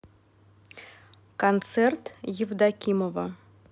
концерт евдокимова